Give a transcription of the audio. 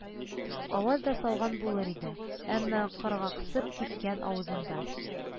Аваз да салган булыр иде, әмма коргаксып кипкән авызында